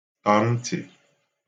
tọ̀ ntị̀